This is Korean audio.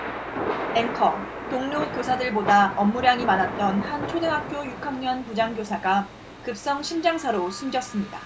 앵커 동료 교사들보다 업무량이 많았던 한 초등학교 육 학년 부장교사가 급성심장사로 숨졌습니다